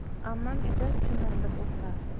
ammam esa chimirilib o'tirardi